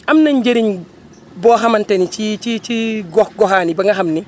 am na njëriñ boo xamante ni ci ci ci gox goxaan yi ba nga xam ni